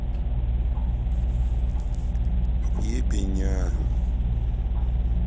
в ебеня